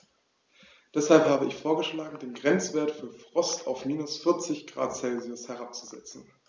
Deshalb habe ich vorgeschlagen, den Grenzwert für Frost auf -40 ºC herabzusetzen.